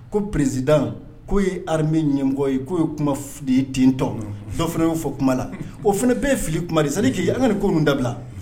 Ko pereresid k' ye hami ɲɛmɔgɔ ye k'o ye kuma dentɔ dɔ fana y'o fɔ kuma la o fana bɛ fili kumaali k' an ka ko dabila